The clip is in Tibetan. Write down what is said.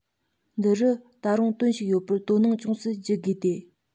འདི རུ ད དུང དོན ཞིག ཡོད པར དོ སྣང ཅུང ཙམ བགྱི དགོས ཏེ